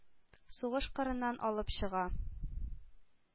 Сугыш кырыннан алып чыга.